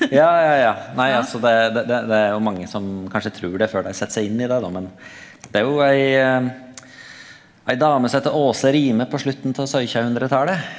ja ja ja nei altså det det det er jo mange som kanskje trur det før dei set seg inn i det då, men det er jo ei ei dame som heiter Åse Rime på slutten av syttenhundretalet.